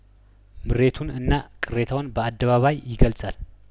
ምሬቱን እና ቅሬታውን በአደባባይ ይገልጻል